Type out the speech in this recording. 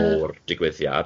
o'r digwyddiad.